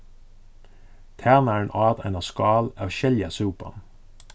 tænarin át eina skál av skeljasúpan